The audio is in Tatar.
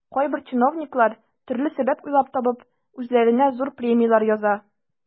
Кайбер чиновниклар, төрле сәбәп уйлап табып, үзләренә зур премияләр яза.